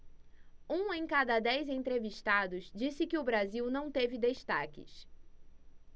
um em cada dez entrevistados disse que o brasil não teve destaques